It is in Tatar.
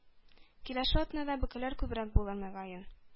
Киләсе атнада бөкеләр күбрәк булыр, мөгаен.